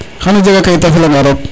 xano jega kayit a fela nga roog